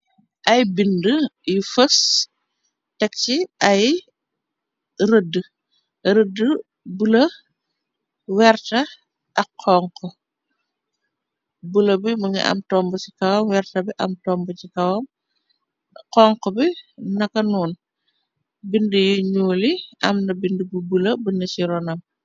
Ay binde yu fës, tek ci ay rëdd, rëdd bula, werta ak xonxu, bula la bi mu ngi am tombu si kawam, werta am tombu si kawam, xonxu bi nakanuun, binde yu ñuul yi amna binde bu bula, bu nè ci ronam